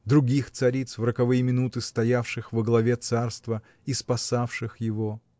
других цариц, в роковые минуты стоявших во главе царства и спасавших его.